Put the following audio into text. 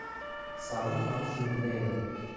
salim xam shunikida edi